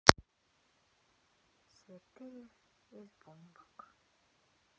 святые из бумбок